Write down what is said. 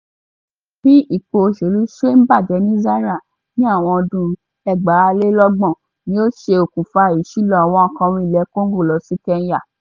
Bí ipò òṣèlú ṣe ń bàjẹ́ ní Zaire ní àwọn ọdún 1970 ni ó ṣe okùnfà ìṣílọ àwọn akọrin ilẹ̀ Congo lọ sí Kenya.